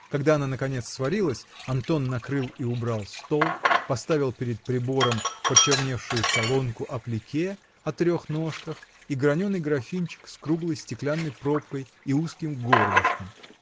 когда она, наконец, сварилась, Антон накрыл и убрал стол, поставил перед прибором почерневшую солонку аплике о трех ножках и граненый графинчик с круглой стеклянной пробкой и узким горлышком